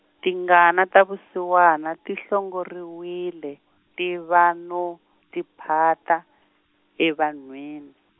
tingana ta vusiwana ti hlongoriwile, tiva no, tiphata , evanhwini.